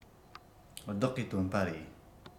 བདག གིས བཏོན པ རེད